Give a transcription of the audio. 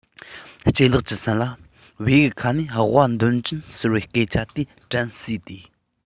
ལྗད ལགས ཀྱི སེམས ལ བེའུའི ཁ ནས ལྦུ བ འདོན གྱིས ཟེར བའི སྐད ཆ དེ དྲན གསོས ཏེ